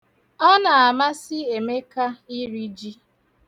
Ọ na-amasị Emeka iri ji.